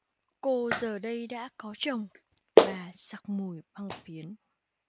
cô giờ đây đã có chồng và sặc mùi băng phiến